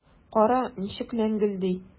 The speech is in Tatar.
Кара, ничек ләңгелди!